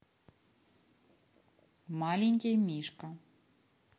маленький мишка